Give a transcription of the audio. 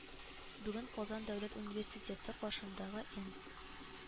Бүген, Казан дәүләт университеты каршындагы эН